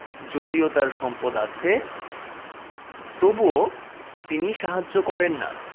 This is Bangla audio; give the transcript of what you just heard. যদিও তার সম্পদ আছে তবুও তিনি সাহায্য করেন না